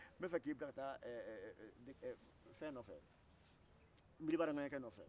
n b'a fɛ k'i bila ka taa ɛɛ ɛɛ fɛn nɔfɛ n'bilibala ŋɛɲɛkɛ nɔfɛ